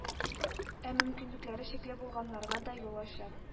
Ә мөмкинлекләре чикле булганнарга да юл ача.